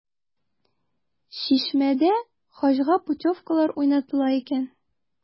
“чишмә”дә хаҗга путевкалар уйнатыла икән.